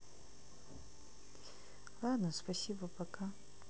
ладно спасибо пока